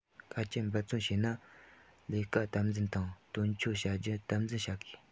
དཀའ སྤྱད འབད བརྩོན བྱས ནས ལས ཀ དམ འཛིན དང དོན འཁྱོལ བྱ རྒྱུ དམ འཛིན བྱ དགོས